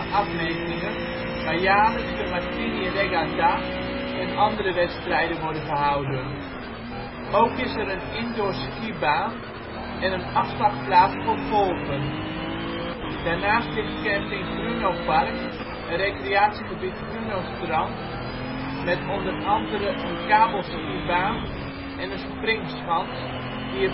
afmetingen waar jaarlijks de Martini Regatta en andere wedstrijden worden gehouden. Ook is er een indoor skibaan en een afslagplaats voor golfen. Daarnaast ligt camping Grunopark en recreatiegebied Grunostrand, met o.a. een kabelskibaan en een springschans die